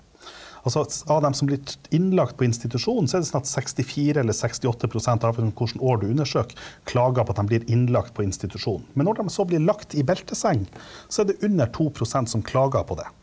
altså av dem som blir innlagt på institusjon så er det sånn at 64 eller 68 prosent, avhengig av hvilket år du undersøker, klager på at dem blir innlagt på institusjon, men når dem så blir lagt i belteseng så er det under 2% som klager på det.